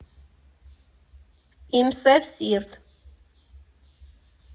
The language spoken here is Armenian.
Իմ սև սիրտ…